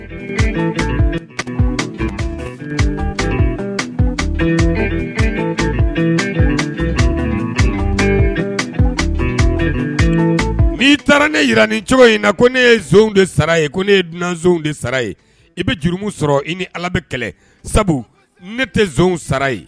N' i taara ne jira ni cogo in na ko ne ye z de sara ye ko ne ye dunan de sara ye i bɛ juruumu sɔrɔ i ni ala bɛ kɛlɛ sabu ne tɛ sara ye